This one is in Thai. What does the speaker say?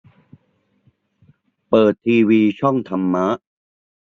เปิดทีวีช่องธรรมะ